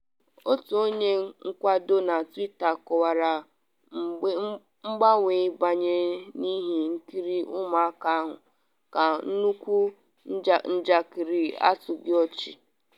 Otu onye nkwado na Twitter kọwara mgbanwe banye n’ihe nkiri ụmụaka ahụ ka “nnukwu njakịrị atọghị ọchị.”